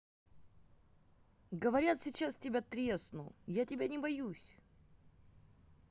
говорят сейчас тебя тресну я тебя не боюсь